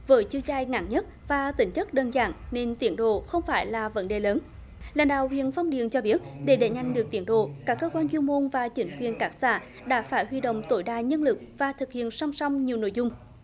với chiều dài nặng nhất và tính chất đơn giản nên tiến độ không phải là vấn đề lớn lãnh đạo huyện phong điền cho biết để đẩy nhanh được tiến độ các cơ quan chuyên môn và chính quyền các xã đã phải huy động tối đa nhân lực và thực hiện song song nhiều nội dung